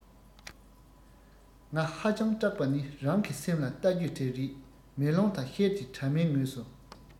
ང ཧ ཅང སྐྲག པ ནི རང གི སེམས ལ བལྟ རྒྱུ དེ རེད མེ ལོང དང ཤེལ གྱི དྲ མའི ངོས སུ